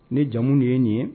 Ne jamu de ye nin ye